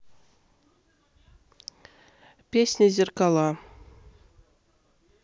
песня зеркала